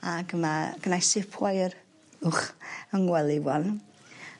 Ag ma' gynnai sip wire wch yng ngwely 'wan.